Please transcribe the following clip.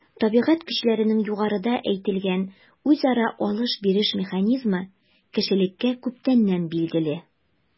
Табигать көчләренең югарыда әйтелгән үзара “алыш-биреш” механизмы кешелеккә күптәннән билгеле.